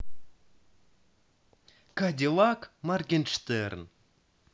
cadillac morgenshtern